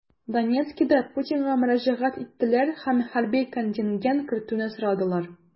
Донецкида Путинга мөрәҗәгать иттеләр һәм хәрби контингент кертүне сорадылар.